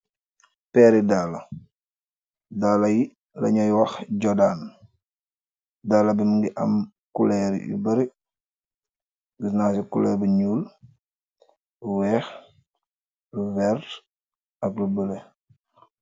Peeri daala daala yi lanuy wax jodaan daala bi mogi am culur yu bari gisna si colur bu nuul bu weex bu vert ak bu bulo.